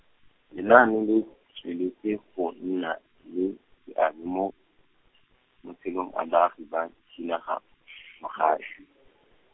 lenaane le, tsweletse go nna le, seabe mo, matshelong a baagi ba, dinaga , magae.